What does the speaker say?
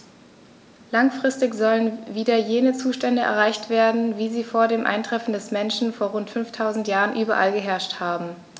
Langfristig sollen wieder jene Zustände erreicht werden, wie sie vor dem Eintreffen des Menschen vor rund 5000 Jahren überall geherrscht haben.